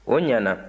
o ɲana